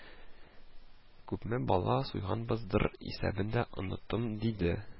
Күпме бала суйганбыздыр, исәбен дә оныттым, – диде